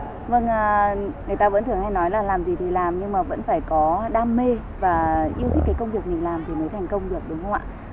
vâng a người ta vẫn thường hay nói là làm gì thì làm nhưng mà vẫn phải có đam mê và yêu thích cái công việc mình làm thì mới thành công được đúng không ạ